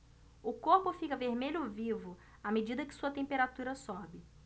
o corpo fica vermelho vivo à medida que sua temperatura sobe